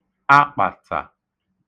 akpàtà